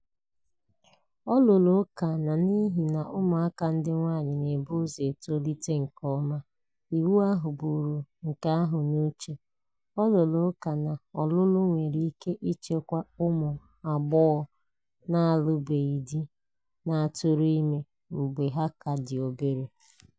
Ọ rụrụ ụka na n'ihi na ụmụaka ndị nwaanyị na-ebu ụzọ etolite nke ọma, iwu ahụ buuru nke ahụ n'uche. Ọ rụrụ ụka na ọlụlụ nwere ike ichekwa ụmụ agbọghọ na-alụbeghị di na-atụrụ ime mgbe ha ka dị obere.